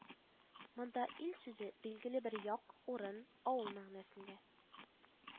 Монда "ил" сүзе билгеле бер як, урын, авыл мәгънәсендә